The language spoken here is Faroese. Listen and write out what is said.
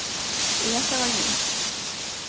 eg helt tað var hin